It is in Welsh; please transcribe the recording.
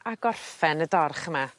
a gorffen y dorch yma.